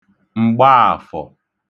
M̀gbaàfọ̀